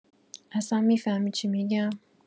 اصا می‌فهمی چی می‌گم؟